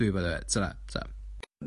...dwi by the way tara tara.